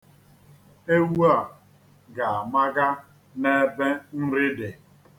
Ewu a ga-amaga n'ebe nri dị.